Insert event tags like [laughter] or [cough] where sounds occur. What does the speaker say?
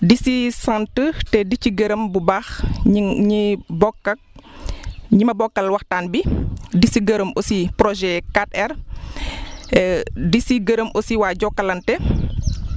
di si sant te di ci gërëm bu baax ñi ñi bokk ak [breath] ñi ma bokkal waxtaan bi di si gërëm aussi projet 4R [breath] [hesitation] di si gërëm aussi waa Jokalante [noise]